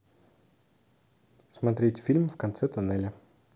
смотреть фильм в конце тоннеля